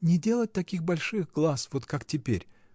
— Не делать таких больших глаз, вот как теперь!